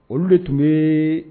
Olu de tun bɛ